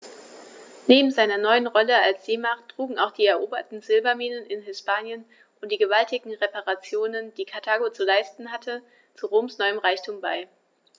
Neben seiner neuen Rolle als Seemacht trugen auch die eroberten Silberminen in Hispanien und die gewaltigen Reparationen, die Karthago zu leisten hatte, zu Roms neuem Reichtum bei.